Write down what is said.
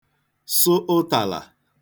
sụ ụtàlà